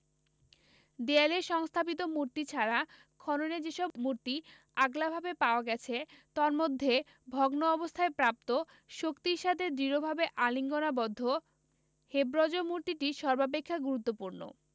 দেয়ালে সংস্থাপিত মূর্তি ছাড়া খননে যেসব মূর্তি আগলাভাবে পাওয়া গেছে তম্মধ্যে ভগ্ন অবস্থায় প্রাপ্ত শক্তির সাথে দৃঢ়ভাবে আলিঙ্গনাবদ্ধ হেবজ্র মূর্তিটি সর্বাপেক্ষা গুরুত্বপূর্ণ